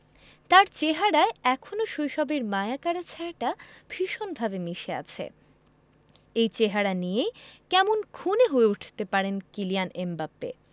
তাঁর চেহারায় এখনো শৈশবের মায়াকাড়া ছায়াটা ভীষণভাবে মিশে আছে এই চেহারা নিয়েই কেমন খুনে হয়ে উঠতে পারেন কিলিয়ান এমবাপ্পে